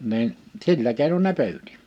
niin sillä keinoin ne pyysi